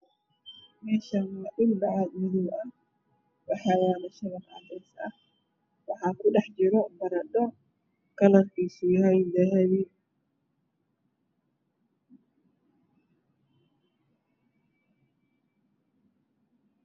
Meeshaan waa dhul bacaad madow ah waxaa yaalo shabaq cadeys ah waxaa kudhex jiro baradho dahabi ah.